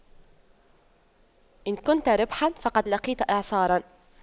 إن كنت ريحا فقد لاقيت إعصارا